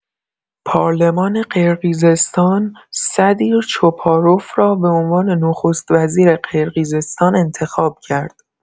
پارلمان قرقیزستان، سدیر چپاروف را به عنوان نخست‌وزیر قرقیزستان انتخاب کرد.